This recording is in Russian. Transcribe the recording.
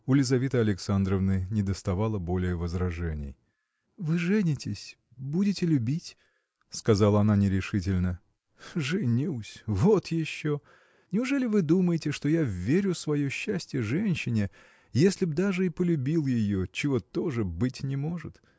У Лизаветы Александровны недоставало более возражений. – Вы женитесь. будете любить. – сказала она нерешительно. – Женюсь! вот еще! Неужели вы думаете что я вверю свое счастье женщине если б даже и полюбил ее чего тоже быть не может?